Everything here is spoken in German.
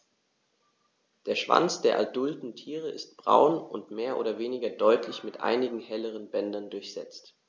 Der Schwanz der adulten Tiere ist braun und mehr oder weniger deutlich mit einigen helleren Bändern durchsetzt.